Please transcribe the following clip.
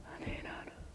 niin on